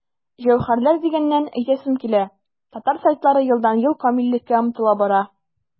Җәүһәрләр дигәннән, әйтәсем килә, татар сайтлары елдан-ел камиллеккә омтыла бара.